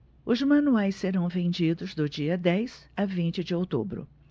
os manuais serão vendidos do dia dez a vinte de outubro